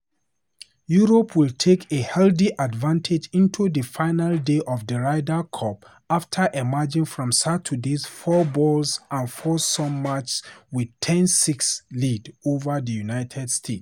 Europe will take a healthy advantage into the final day of the Ryder Cup after emerging from Saturday's fourballs and foursomes matches with a 10-6 lead over the United States.